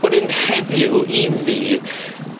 Wedyn heddiw i fi